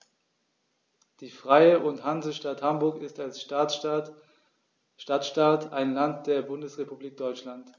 Die Freie und Hansestadt Hamburg ist als Stadtstaat ein Land der Bundesrepublik Deutschland.